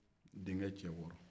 denkɛ cɛ wɔɔrɔ